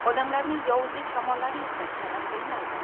odamlarning yovuzlik shamollari esa tinim bilmaydi